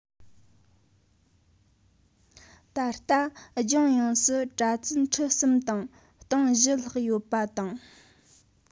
ད ལྟ ལྗོངས ཡོངས སུ གྲྭ བཙུན ཁྲི གསུམ དང སྟོང བཞི ལྷག ཡོད པ དང